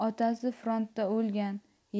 otasi frontda o'lgan